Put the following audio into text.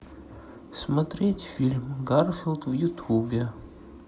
смотреть фильм гарфилд в ютубе